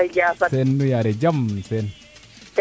Sene nu yaare jam Sene